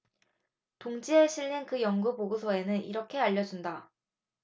동 지에 실린 그 연구 보고서에서는 이렇게 알려 준다